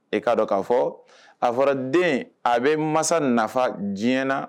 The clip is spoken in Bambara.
E k'a dɔn k'a fɔ a fɔra den a bɛ masa nafa diyɛn na